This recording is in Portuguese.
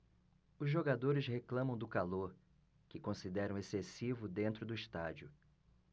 os jogadores reclamam do calor que consideram excessivo dentro do estádio